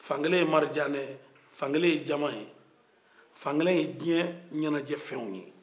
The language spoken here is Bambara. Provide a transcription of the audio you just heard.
fan kelen marijaanɛ ye fan kelen jama ye fan kelen diɲɛ ɲɛnɛjɛfɛnw ye